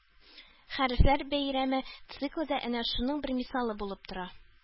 «хәрефләр бәйрәме» циклы да әнә шуның бер мисалы булып тора